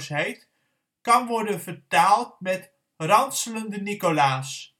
heet, kan worden vertaald met ranselende Nicolaas